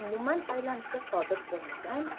umuman aylanishga qodir bo'lmagan